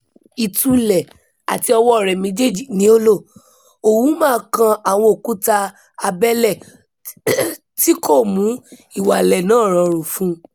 Ìtúlẹ̀ àti ọwọ́ọ rẹ̀ méjèèjì ni ó lò, Ouma kan àwọn òkúta abẹ́lẹ̀ tí kò mú ìwalẹ̀ náà rọrùn fún un.